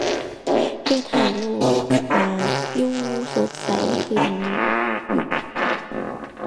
เฮ็ดให้โลกเนี่ย น่าอยู่ สดใสขึ้น